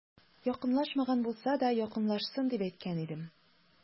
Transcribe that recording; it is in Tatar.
Якынлашмаган булса да, якынлашсын, дип әйткән идем.